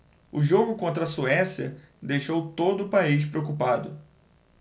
o jogo contra a suécia deixou todo o país preocupado